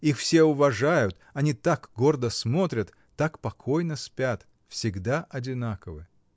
Их все уважают, они так гордо смотрят, так покойно спят, всегда одинаковы.